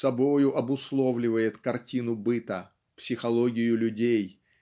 собою обусловливает картину быта психологию людей